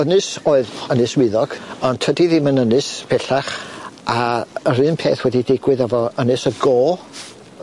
Ynys oedd Ynys Wyddog ond tydi ddim yn ynys pellach a yr un peth wedi digwydd efo Ynys y Go.